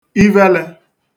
ivelē